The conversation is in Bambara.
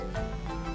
Wa